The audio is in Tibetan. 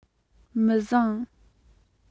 མི བཟང